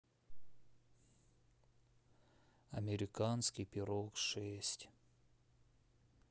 американский пирог шесть